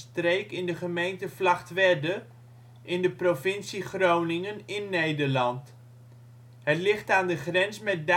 streek in de gemeente Vlagtwedde in de provincie Groningen in Nederland. Het ligt aan de grens met Duitsland